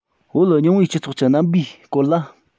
བོད རྙིང པའི སྤྱི ཚོགས ཀྱི རྣམ པའི སྐོར ལ